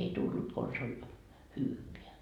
ei tullut konsa oli hyvää